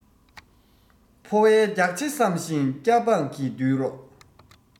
ཕོ བའི རྒྱགས ཕྱེ བསམ ཞིང སྐྱ འབངས ཀྱི བརྟུལ རོགས